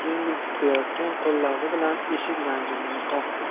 yengil titrayotgan qo'llari bilan eshik zanjirini qoqdi